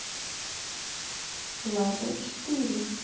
лада четыре